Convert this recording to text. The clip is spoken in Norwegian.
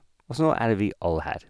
Og så nå er vi alle her.